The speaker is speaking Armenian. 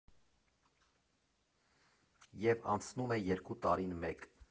ԵՒ անցնում է երկու տարին մեկ։